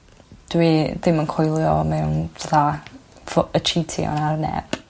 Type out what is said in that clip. Dwi ddim yn coelio mewn fatha fo- yy chîtio ar neb.